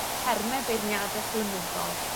terme beirniadeth lenyddol.